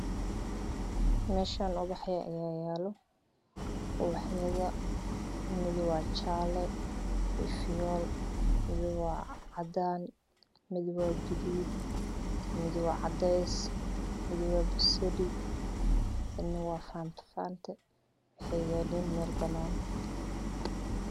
Meeshaan ubaxyo ayaa yaalo midi waa jaale iyo fiyool, midi waa cadaan midna waa gaduud, midi waa cadeys midna waa basali midna waa faantofaanto waxay yaaliin meel banaan ah.